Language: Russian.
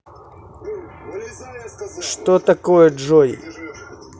что такое джой